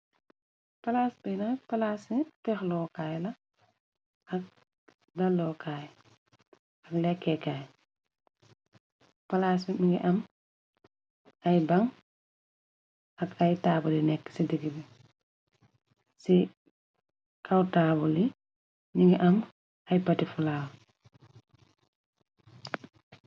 Palaas bi nak palaas ci fexlokaay la ak dalokaay ak lekkeekaay palaas bi mu ngi am ay baŋ ak ay taabal nekk ci digg bi ci kaw taabuli ñi ngi am ay pati fulaaw.